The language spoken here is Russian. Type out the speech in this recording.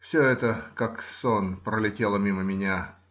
Все это как сон пролетело мимо меня.